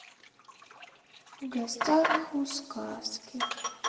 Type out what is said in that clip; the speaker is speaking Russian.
в гостях у сказки